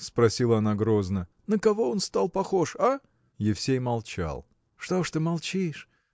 – спросила она грозно, – на кого он стал похож – а? Евсей молчал. – Что ж ты молчишь?